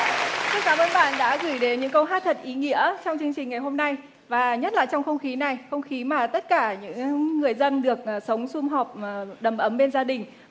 xin cám ơn bạn đã gửi đến những câu hát thật ý nghĩa trong chương trình ngày hôm nay và nhất là trong không khí này không khí mà tất cả những người dân được sống sum họp đầm ấm bên gia đình